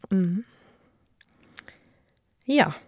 Ja.